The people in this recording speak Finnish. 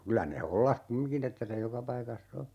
kyllä ne hollasi kumminkin että se joka paikassa on